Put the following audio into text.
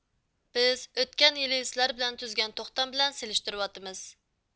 بىز ئۆتكەن يىلى سىلەر بىلەن تۈزگەن توختام بىلەن سېلىشتۇرۇۋاتىمىز